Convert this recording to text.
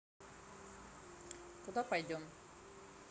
куда пойдем